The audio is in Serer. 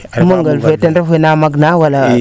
megele fee teen ref wena mag na wala